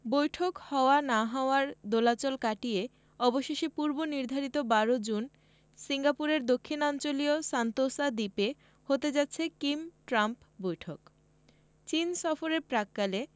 বৈঠক হওয়া না হওয়ার দোলাচল কাটিয়ে অবশেষে পূর্বনির্ধারিত ১২ জুন সিঙ্গাপুরের দক্ষিণাঞ্চলীয় সান্তোসা দ্বীপে হতে যাচ্ছে কিম ট্রাম্প বৈঠক চীন সফরের প্রাক্কালে